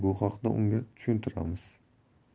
bu haqda unga tushuntiramiz